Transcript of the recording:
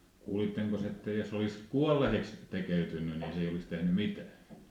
kuulittekos että jos olisi kuolleeksi tekeytynyt niin se ei olisi tehnyt mitään